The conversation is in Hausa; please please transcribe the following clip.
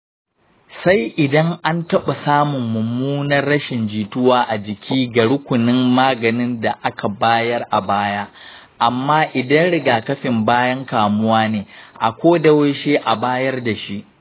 sai idan an taɓa samun mummunar rashin jituwa a jiki ga rukunin maganin da aka bayar a baya. amma idan rigakafin bayan kamuwa ne, a kodayaushe a bayar da shi.